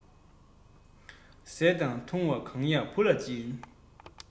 བཟས དང བཏུང བ གང ཡག བུ ལ སྦྱིན